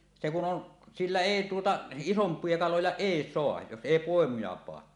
se kun on sillä ei tuota isompia kaloja ei saa jos ei poimuja panna